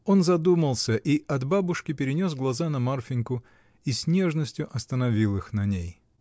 Он задумался, и от бабушки перенес глаза на Марфиньку и с нежностью остановил их на ней.